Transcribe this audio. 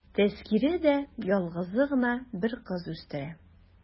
Тәзкирә дә ялгызы гына бер кыз үстерә.